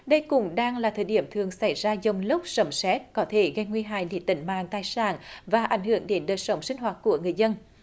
đây cũng đang là thời điểm thường xảy ra dông lốc sấm sét có thể gây nguy hại đến tính mạng tài sản và ảnh hưởng đến đời sống sinh hoạt của người dân